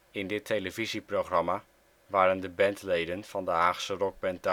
In dit televisieprogramma waren de bandleden van de Haagse rockband